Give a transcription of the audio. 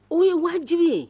O ye wajibi ye